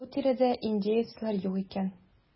Бу тирәдә индеецлар юк икән.